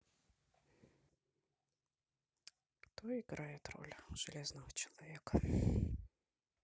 кто играет роль железного человека